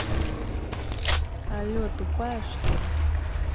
але тупая что ли